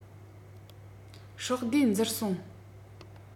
སྲོག བསྡོས འཛུལ སོང